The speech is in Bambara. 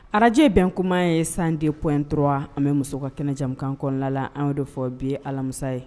Araje bɛn kuma ye san de p in dɔrɔn an bɛ muso ka kɛnɛjakan kɔnɔna la la an de fɔ bi ye alamisa ye